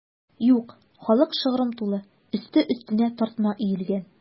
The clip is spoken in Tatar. Юк, халык шыгрым тулы, өсте-өстенә тартма өелгән.